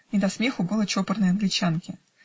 Не до смеху было чопорной англичанке.